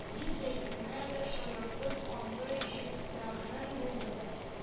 Дип, зәйтүнә дә шаяртып аны җөпләгән булды